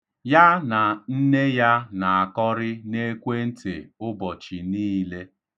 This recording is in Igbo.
Ya na nne ya na-akọrị n'ekwentị ụbọchị niile.